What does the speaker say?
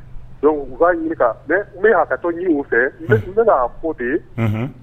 U'a ɲininka n ka ɲini fɛ n bɛna de